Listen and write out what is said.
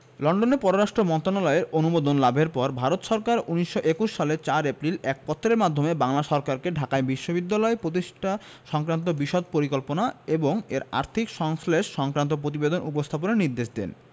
লন্ডনে পররাষ্ট্র মন্ত্রণালয়ের অনুমোদন লাভের পর ভারত সরকার ১৯২১ সালের ৪ এপ্রিল এক পত্রের মাধ্যমে বাংলা সরকারকে ঢাকায় বিশ্ববিদ্যালয় প্রতিষ্ঠা সংক্রান্ত বিশদ পরিকল্পনা এবং এর আর্থিক সংশ্লেষ সংক্রান্ত প্রতিবেদন উপস্থাপনের নির্দেশ দেন